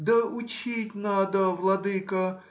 — Да, учить надо, владыко